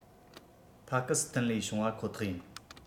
ཕ ཁི སི ཐན ལས བྱུང བ ཁོ ཐག ཡིན